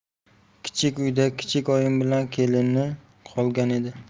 kichik uyda kichik oyim bilan kelini qolgan edi